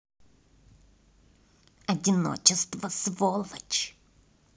одиночество сволочь